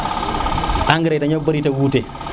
engrais yi daño bëri te wute